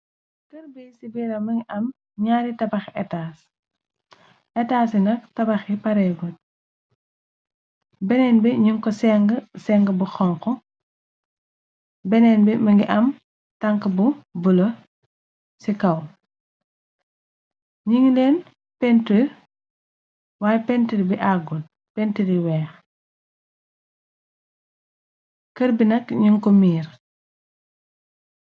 Kër bi ci biira mangi am ñaari tabaxi etas étaas i nak tabaxi pareegut beneen bi ñuñ ko seng seng bu xonk beneen bi mangi am tank bu bula ci kaw ñi ngi leen pentur way pentr bi at kër bi nak ñuñ ko miir.